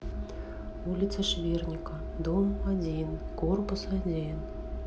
улица шверника дом один корпус один